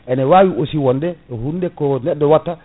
ene wawi aussi wonde hunde ko neɗɗo watta